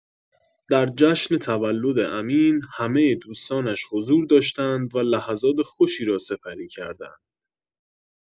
در جشن تولد امین، همه دوستانش حضور داشتند و لحظات خوشی را سپری کردند.